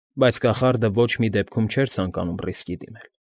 Բայց կախարդը ոչ մի դեպքում չէր ցանկանում ռիսկի դիմել։